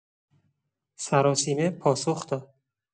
سراسیمه پاسخ داد.